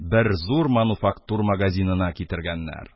Бер зур мануфактур магазинына китергәннәр.